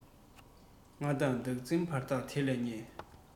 ང དང བདག འཛིན བར ཐག དེ ལས ཉེ